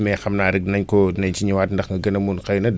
mais xamnaa rek dinañ ko dinañ si ñëwaat ndax nga gën a mun xëy na